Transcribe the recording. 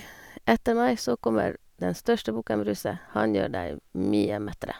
Etter meg så kommer den største bukken Bruse, han gjør deg mye mettere.